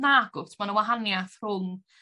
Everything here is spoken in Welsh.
Nagwt ma' 'na wahaniath rhwng